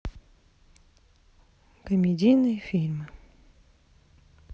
комедийные фильмы